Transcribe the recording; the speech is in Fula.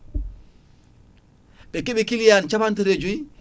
ɓe keei kilian capantati e joyyi